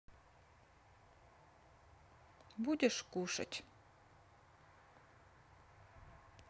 будешь кушать